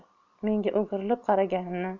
menga o'girilib qaraganini